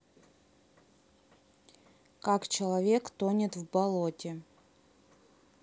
как человек тонет в болоте